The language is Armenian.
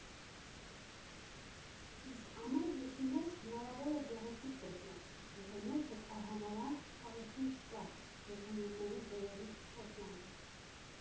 Իսկ ամեն ինչի մեջ հնարավոր է գեղեցիկ տեսնել, եթե մեջդ արհամարհանք, չարություն չկա, եթե մյուսներին վերևից չես նայում։